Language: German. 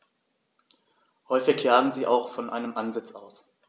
Häufig jagen sie auch von einem Ansitz aus.